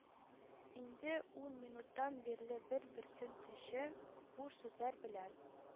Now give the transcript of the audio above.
Инде ун минуттан бирле бер-берсен төче, буш сүзләр белән